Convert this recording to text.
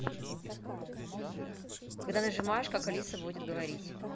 когда нажимаешь как алиса будет говорить